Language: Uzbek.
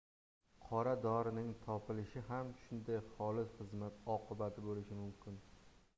qora dorining topilishi ham shunday xolis xizmat oqibati bo'lishi mumkin